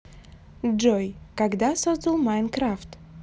джой когда создал в minecraft